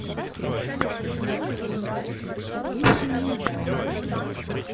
песни miyagi